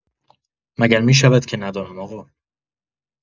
مگر می‌شود که ندانم آقا؟!